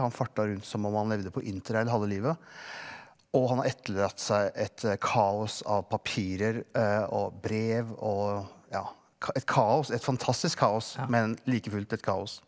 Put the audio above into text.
han farta rundt som om han levde på interrail halve livet og han har etterlatt seg et kaos av papirer og brev og ja et kaos et fantastisk kaos men likefullt et kaos.